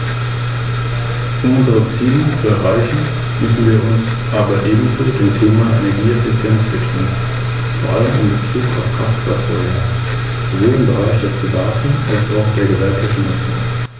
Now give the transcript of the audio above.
In dieser Phase müssen wir uns darauf konzentrieren, wie mit diesem Prozess die Regionalpolitik der Union gelenkt werden kann, und zwar im Hinblick auf die Zielsetzung, die regionalen Unterschiede abzubauen.